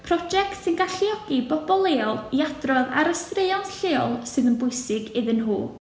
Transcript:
Prosiect sy'n galluogi i bobl leol i adrodd ar y straeon s- lleol sydd yn bwysig iddyn nhw.